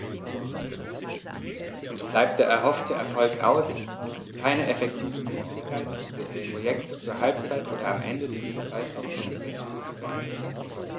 Und bleibt der erhoffte Erfolg aus, gibt es keine effektive Möglichkeit, das Projekt zur Halbzeit oder am Ende dieses Zeitraums tatsächlich zu beenden.